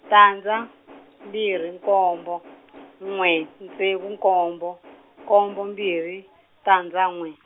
tandza mbirhi nkombo, n'we ntsevu nkombo, nkombo mbirhi , tandza n'we.